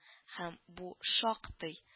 Һәм бу шактый